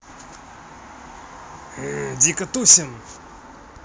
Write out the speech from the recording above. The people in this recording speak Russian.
дико тусим